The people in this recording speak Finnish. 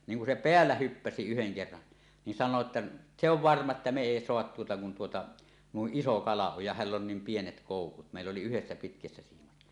niin kun se päällä hyppäsi yhden kerran niin sanoo jotta se on varma että me ei saada tuota kun tuota noin iso kala on ja hänellä on niin pienet koukut meillä oli yhdessä pitkässä siimat